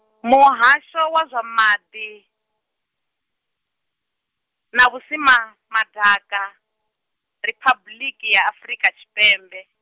Muhasho wa zwa maḓi, na Vhusimamaḓaka, Riphabuḽiki ya Afrika Tshipembe.